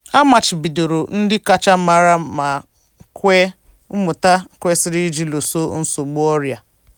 A machibidoro ndị kacha mara ma nwee mmụta kwesiri iji lụso nsogbu ọrịa na-efe efe dị na kọntinent ha ọgụ isonye na mmemme gbasara "nsogbu dị n'idi njikere ọrịa na-efe efe"